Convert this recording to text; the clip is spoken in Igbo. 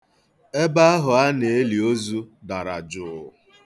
Ebe ahụ a na-eli ozu dara jụụ.